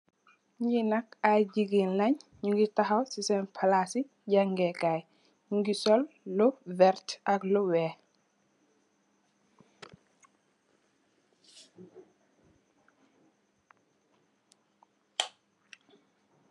Ñii nak ay jigeen lèèn ñu ngi taxaw ci sèèn palasi jangèè kai. Ñu ngi sol lu werta ak lu wèèx.